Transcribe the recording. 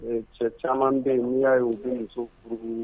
Cɛ caman bɛ yen n'i y'a ye u bɛ muso furu